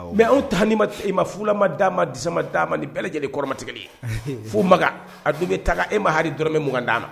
Mɛ anw ta e ma furulama da ma disama da ma ni bɛɛ lajɛlen kɔrɔmatigɛ ye fo maka a dun bɛ taga e ma ha d dɔrɔnmɛ mugan d'a na